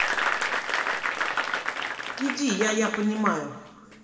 иди я я понимаю